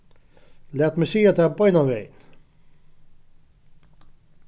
lat meg siga tað beinanvegin